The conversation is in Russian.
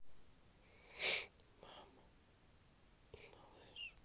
мама и малыш